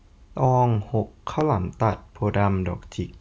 ตองหกข้าวหลามตัดโพธิ์ดำดอกจิก